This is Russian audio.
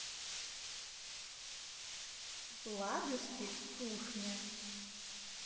ладушки кухня